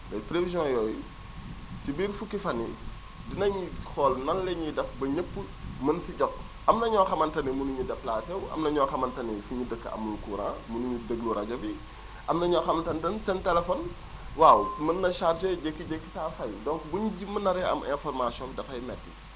léegi prévisions yooyu si biir fukki fan yi dinañ xool nan la ñuy def ba ñëpp mën si jot am na ñoo xamante ni mënuñu déplacé wu am na ñoo xamante ni fi ñu dëkk amuñu courant mënuñu déglu rajo bi am na ñoo xamante ni dañu seen téléphone waaw mën na chargé jékki-jékki saa fay donc bu ñu naree am information bi dafay métti